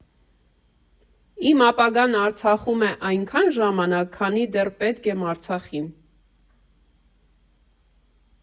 Իմ ապագան Արցախում է այնքան ժամանակ, քանի դեռ պետք եմ Արցախին։